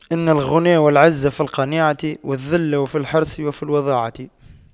إن الغنى والعز في القناعة والذل في الحرص وفي الوضاعة